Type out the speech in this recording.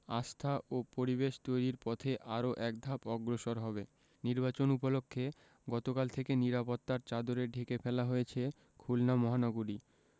আস্থা ও পরিবেশ তৈরির পথে আরো একধাপ অগ্রসর হবে নির্বাচন উপলক্ষে গতকাল থেকে নিরাপত্তার চাদরে ঢেকে ফেলা হয়েছে খুলনা মহানগরী